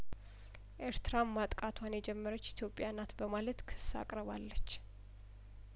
ኤርትራም ማጥቃቱን የጀመረች ኢትዮጵያናት በማለት ክስ አቅርባለች